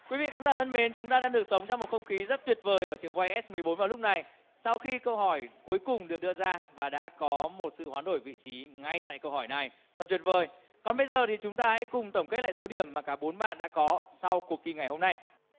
quý vị khán giả thân mến chúng ta đã được sống trong một không khí rất tuyệt vời ở trường quay ét mười bốn vào lúc này sau khi câu hỏi cuối cùng được đưa ra và đã có một sự hoán đổi vị trí ngay tại câu hỏi này thật tuyệt vời còn bây giờ thì chúng ta hãy cùng tổng kết lại số điểm mà cả bốn bạn đã có sau cuộc thi ngày hôm nay